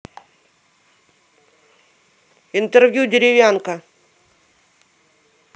интервью деревянко